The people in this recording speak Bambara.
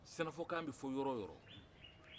senufokan bɛ fɔ yɔrɔ o yɔrɔ